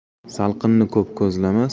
salqinni ko'p ko'zlama